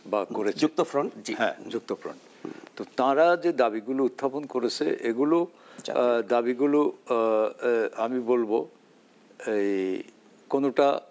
বা করেছে যুক্তফ্রন্ট হ্যাঁ যুক্তফ্রন্ট তো তারা যে দাবিগুলো উত্থাপন করেছে এগুলো দাবিগুলো আমি বলব কোন টা